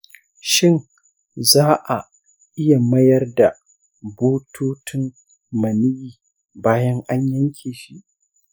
shin za a iya mayar da bututun maniyyi bayan an yanke shi ?